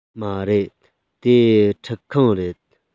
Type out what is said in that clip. མ རེད དེ ཁྲུད ཁང རེད